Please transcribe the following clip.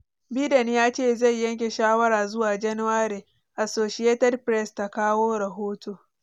Biden ya ce zai yanke shawara zuwa January, Associated Press ta kawo rahoto.